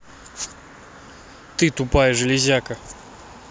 ты тупая железяка